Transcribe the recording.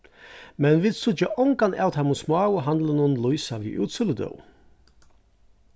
men vit síggja ongan av teimum smáu handlunum lýsa við útsøludøgum